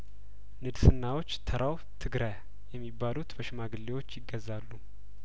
ንድስናዎች ተራው ትግረ የሚባሉት በሽማግሌዎች ይገዛሉ